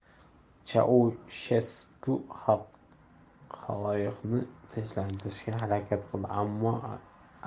chaushesku xaloyiqni tinchlantirishga harakat qildi